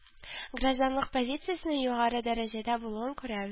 Гражданлык позициясенең югары дәрәҗәдә булуын күрәбез